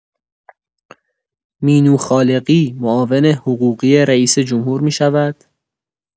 مینو خالقی معاون حقوقی رئیس‌جمهور می‌شود؟